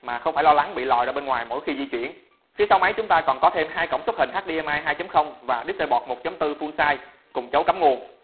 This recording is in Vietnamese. mà không phải lo lắng bị lòi ra bên ngoài mỗi khi di chuyển phía sau máy chúng ra còn có thêm cổng xuất hình hdmi và displayport full size cùng chấu cắm nguồn